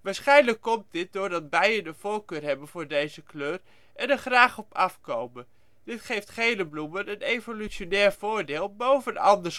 Waarschijnlijk komt dit doordat bijen een voorkeur hebben voor deze kleur, en er graag op af komen. Dit geeft gele bloemen een evolutionair voordeel boven anders